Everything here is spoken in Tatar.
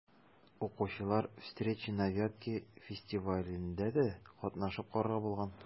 Укучылар «Встречи на Вятке» фестивалендә дә катнашып карарга булган.